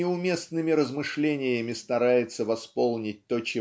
неуместными размышлениями старается восполнить то